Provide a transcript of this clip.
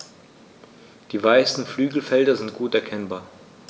Die weißen Flügelfelder sind gut erkennbar.